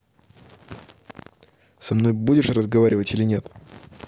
со мной будешь разговаривать или нет